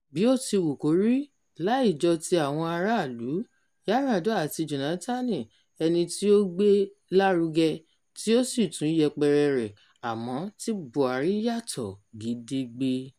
Bí ó ti wù kórí, láì jọ ti àwọn aráàlú – Yar'Adua àti Jónátánì – ẹni tí ó gbé lárugẹ, tí ó sì tún yẹpẹrẹ rẹ̀, àmọ́ ti Buhari yàtọ̀ gedegbe.